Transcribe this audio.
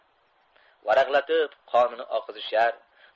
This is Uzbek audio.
varaqlatib qonini oqizishar